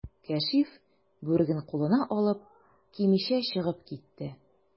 Кәшиф, бүреген кулына алып, кимичә чыгып китте.